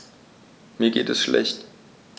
Mir geht es schlecht.